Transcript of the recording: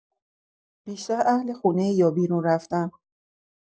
بیشتر اهل خونه‌ای یا بیرون رفتن؟